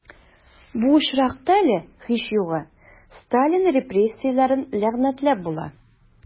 Бу очракта әле, һич югы, Сталин репрессияләрен ләгънәтләп була...